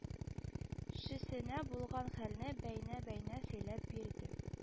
Шесенә булган хәлне бәйнә-бәйнә сөйләп бирде